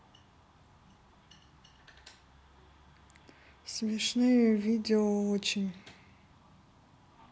смешные видео очень